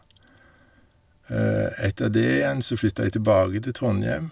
Etter det igjen så flytta jeg tilbake til Trondhjem.